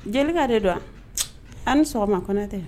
Jelikɛ de don an ni sɔgɔma ko tɛ